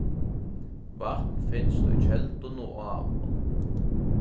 vatn finst í keldum og áum